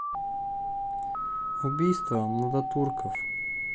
убийство младотурков